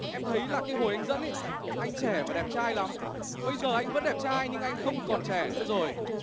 em thấy là khi hồi dẫn ý anh trẻ và đẹp trai lắm bây giờ anh vẫn đẹp trai nhưng anh không còn trẻ nữa rồi